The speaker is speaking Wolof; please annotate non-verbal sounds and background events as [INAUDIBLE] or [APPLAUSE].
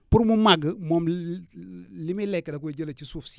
pour mu màgg moom [HESITATION] li muy lekk da koy jëlee ci suuf si